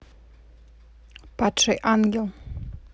падший ангел